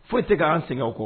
Foyi tɛ se'an sɛgɛn kɔ